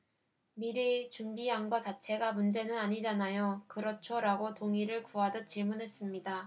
미리 준비한 거 자체가 문제는 아니잖아요 그렇죠 라고 동의를 구하듯 질문했습니다